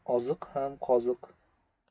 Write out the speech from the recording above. oziq ham qoziq